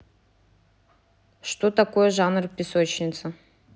что такое жанр песочница